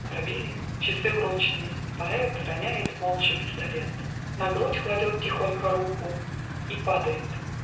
Пробили Часы урочные: поэт Роняет молча пистолет, На грудь кладет тихонько руку И падает.